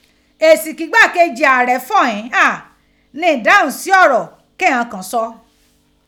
Esi ki igbakeji aarẹ fọ ghin gha ni idahun si ọrọ kighan kan sọ.